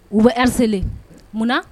U bɛ harceler munna?